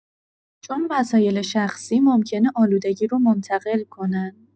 چون وسایل شخصی ممکنه آلودگی رو منتقل کنن.